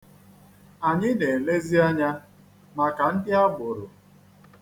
Anyị na-elezi anya maka ndị agboro.